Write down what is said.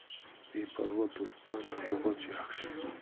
beparvo do'stdan yog'och yaxshi